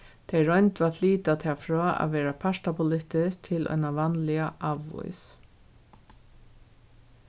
tey royndu at flyta tað frá at vera partapolitiskt til eina vanliga avís